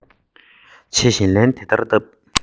མིག ཟུང དེ ཨ མར གཏད དེ དེ ལྟར དྲིས